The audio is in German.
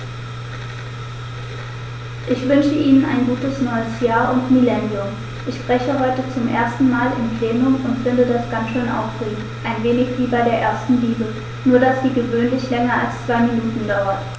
Ich wünsche Ihnen ein gutes neues Jahr und Millennium. Ich spreche heute zum ersten Mal im Plenum und finde das ganz schön aufregend, ein wenig wie bei der ersten Liebe, nur dass die gewöhnlich länger als zwei Minuten dauert.